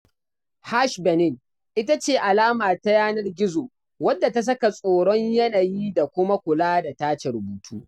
#Bénin ita ce alama ta yanar gizo, wadda ta saka tsoron yanayi da kuma kula da tace rubutu.